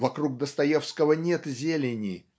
Вокруг Достоевского нет зелени